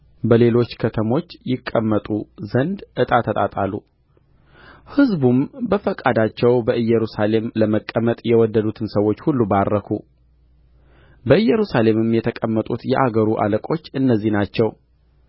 በሌሎች ከተሞች ይቀመጡ ዘንድ ዕጣ ተጣጣሉ ሕዝቡም በፈቃዳቸው በኢየሩሳሌም ለመቀመጥ የወደዱትን ሰዎች ሁሉ ባረኩ በኢየሩሳሌምም የተቀመጡት የአገሩ አለቆች እነዚህ ናቸው